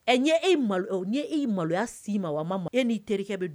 E malo' maloya si ma o ma e n'i terikɛ bɛ